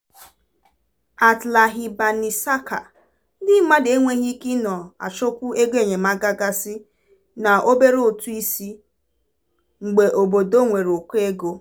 @LahibBaniSakher Ndị mmadụ enweghị ike ịnọ achọkwu ego enyemaka gasị na obere ụtụ isi, mgbe obodo nwere ụkọ ego.